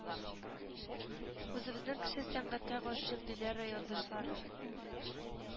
Үзебезнең кеше сәнгатькә гашыйк диләр райондашлары